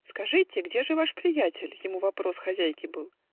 "Скажите: где же ваш приятель? - Ему вопрос хозяйки был.